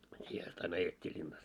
siihen asti aina ajettiin linnassa